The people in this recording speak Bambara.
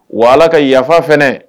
Wala ka yafa fana